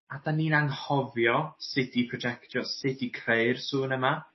a 'dan ni'n anghofio sut i projectio sut i creu'r sŵn yma.